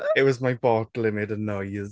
It was my bottle. It made a noise.